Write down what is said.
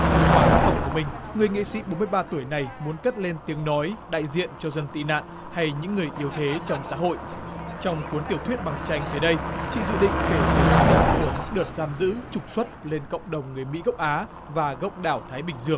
thông qua tác phẩm của mình người nghệ sĩ bốn mươi ba tuổi này muốn cất lên tiếng nói đại diện cho dân tị nạn hay những người yếu thế trong xã hội trong cuốn tiểu thuyết bằng tranh tới đây chị dự định kể về tác động của những đợt giảm giữ trục xuất nền cộng đồng người mỹ gốc á và gốc đảo thái bình dương